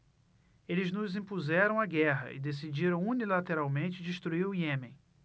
eles nos impuseram a guerra e decidiram unilateralmente destruir o iêmen